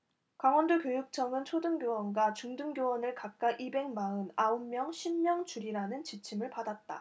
강원도교육청은 초등교원과 중등교원을 각각 이백 마흔 아홉 명 쉰 명 줄이라는 지침을 받았다